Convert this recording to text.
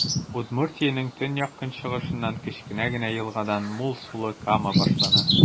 Удмуртиянең төньяк-көнчыгышыннан, кечкенә генә елгадан, мул сулы Кама башлана.